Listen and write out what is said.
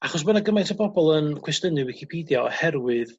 achos ma' 'na gymaint o bobol yn cwestynu Wicipidia oherwydd